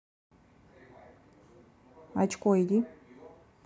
очко иди